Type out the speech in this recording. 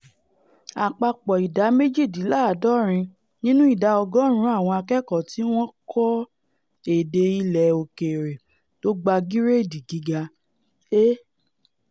Àpapọ ìdá méjìdínláàdọrin nínú ìdá ọgọ́ọ̀rún àwọn akẹ́kọ̀ọ́ tí wọ́n kọ́ èdè ilẹ̀ òkèèrè lógba giredi Giga A.